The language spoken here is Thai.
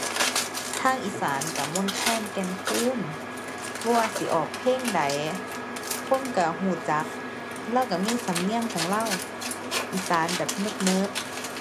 ทางอีสานก็มนต์แคน แก่นคูน บ่ว่าสิออกเพลงใด คนก็ก็จัก เลาก็มีสำเนียงของเลา อีสานแบบเนิบเนิบ